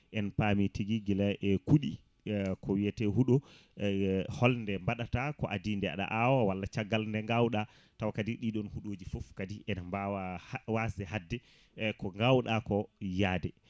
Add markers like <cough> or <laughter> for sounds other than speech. en paami tigui guila e kuuɗi <hesitation> ko wiyate huuɗo <breath> <hesitation> holde mbaɗata ko adi nde aɗa awa walla caggal nde gawɗa <breath> taw kadi ɗiɗon huuɗoji foof kadi ene mbawa ha wasde hatde e ko gawɗako yaade